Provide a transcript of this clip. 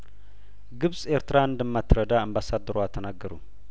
ግብጽ ኤርትራን እንደማት ረዳ አምባ ሰደ ሯ ተናገሩ